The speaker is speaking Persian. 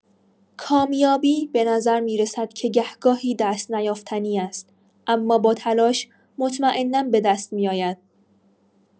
کامیابی به نظر می‌رسد که گاه‌گاهی دست‌نیافتنی است، اما با تلاش مطمئنا به‌دست می‌آید.